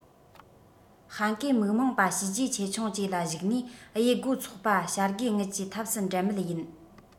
ཧན གོའི མིག མངས པ བྱས རྗེས ཆེ ཆུང བཅས ལ གཞིགས ནས དབྱེ བགོས ཚོགས པ བྱ དགའི དངུལ གྱི ཐབས སུ འགྲན མེད ཡིན